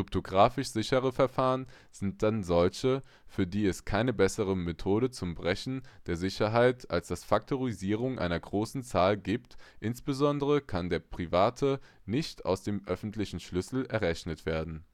Kryptographisch sichere Verfahren sind dann solche, für die es keine bessere Methode zum Brechen der Sicherheit als das Faktorisieren einer großen Zahl gibt, insbesondere kann der private nicht aus dem öffentlichen Schlüssel errechnet werden